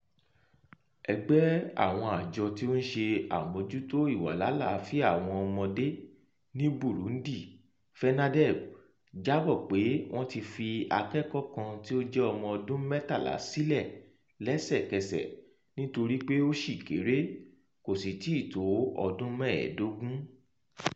Ẹgbẹ́ Àwọn Àjọ tí ó ń ṣe Àmójútó ìwàlálàáfíà Àwọn ọmọdé ní Burundi (FENADEB) jábọ̀ pé wọ́n ti fi akẹ́kọ̀ọ́ kan tí ó jẹ́ ọmọ ọdún mẹ́tàlá sílẹ̀ lẹ́sẹkẹsẹ̀ nítorí pé ó ṣì kéré, kò sì tí ì tó ọdún mẹ́ẹ̀dógún.